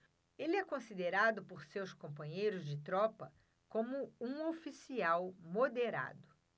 ele é considerado por seus companheiros de tropa como um oficial moderado